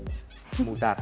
mù tạt